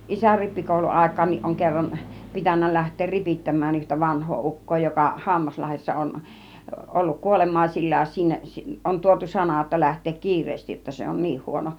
isän rippikouluaikaankin on kerran pitänyt lähteä ripittämään yhtä vanhaa ukkoa joka Hammaslahdessa on ollut kuolemaisillaan sinne - on tuotu sana jotta lähteä kiireesti jotta se on niin huono